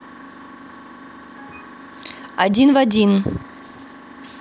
один в один